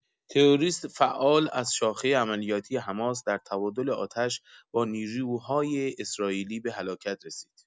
تروریست فعال از شاخه عملیاتی حماس در تبادل آتش با نیروهای اسراییلی به هلاکت رسید.